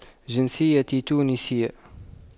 جنسيتي تونسية